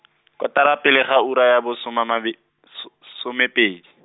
kotara pele ga ura ya bo soma a mabe, s- some pedi.